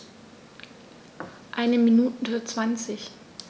Eine Minute 20